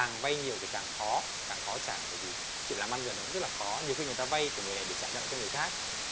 càng vay nhiều thì càng khó càng khó trả tại vì chuyện làm ăn giờ nó rất là khó nhiều khi người ta vay của người này để trả nợ cho người khác